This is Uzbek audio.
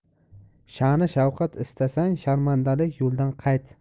sha'ni shavqat istasang sharmandalik yo'ldan qayt